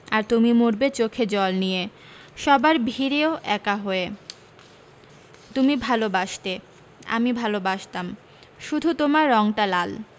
আর তুমি মরবে চোখে জল নিয়ে সবার ভিড়েও একা হয়ে তুমি ভালবাসতে আমি ভালবাসতাম শুধু তোমার রংটা লাল